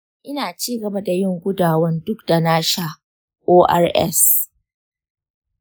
ina cigaba dayin gudawan duk da nasha ors.